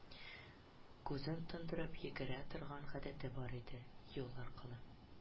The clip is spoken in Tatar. Күзен тондырып йөгерә торган гадәте бар иде, юл аркылы